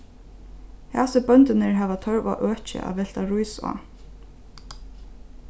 hasir bøndurnir hava tørv á øki at velta rís á